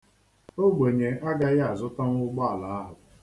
Ogbenye agaghị azụtanwu ụgbọala ahụ.